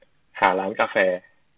หาร้านกาแฟ